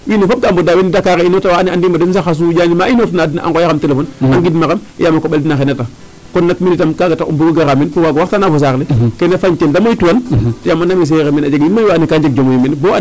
Wiin we mb,odkaa mbodaa wene Dakar a inoortu wene andiim a den sax a Soundiane niin ma inoortu na ndaa a nqooyaxam téléphone a ngidmaxam yaam a koƥ ale den a xen a kon nuun itam kaaga tax .I bug o gara meen waag o waxtaana fo saax le ke naa fañtel ta moytuwan yaam andaam ee seereer mene a jega wiin mayu mene kaa njeg jom.